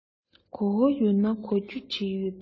གོ བ ཡོད ན གོ རྒྱུ བྲིས ཡོད དོ